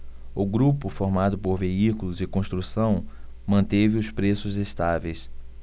o grupo formado por veículos e construção manteve os preços estáveis